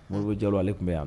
Mori bɛ jɔlo ale tun bɛ yan